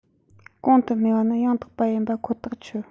གོང དུ སྨོས པ ནི ཡང དག པ ཡིན པ ཁོ ཐག ཆོད